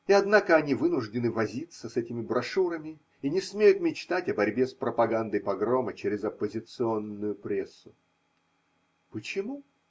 И, однако, они вынуждены возиться с этими брошюрами и не смеют мечтать о борьбе с пропагандой погрома через оппозиционную прессу. Почему?